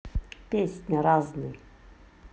песня разный